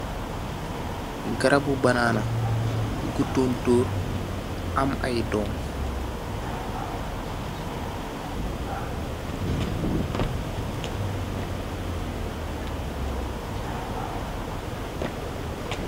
Garabu banana, gu tòntur am ay doom.